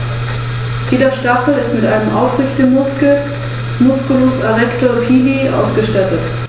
Das „Land der offenen Fernen“, wie die Rhön auch genannt wird, soll als Lebensraum für Mensch und Natur erhalten werden.